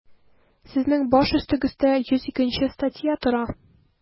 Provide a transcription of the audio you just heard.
Сезнең баш өстегездә 102 нче статья тора.